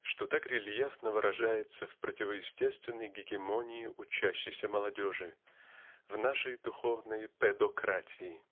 что так рельефно выражается в противоестественной гегемонии учащейся молодежи в нашей духовной педократии.